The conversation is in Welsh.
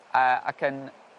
a ac yn